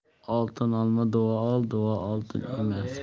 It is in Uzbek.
oltin olma duo ol duo oltin emasmi